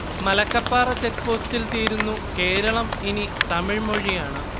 മലക്കപ്പാറ ചെക്പോസ്റ്റിൽ തീരുന്നു, കേരളം ഇനി തമിഴ്മൊഴിയാണ്